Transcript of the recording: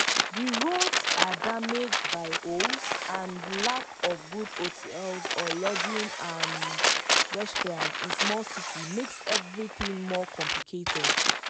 The roads are damaged by holes, and the lack of good hotels or lodgings and restaurants in small cities makes everything more complicated.